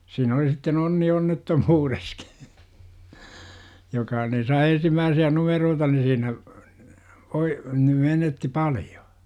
siinä oli sitten onni onnettomuudessakin joka niin sai ensimmäisiä numeroita niin siinä voi niin menettää paljon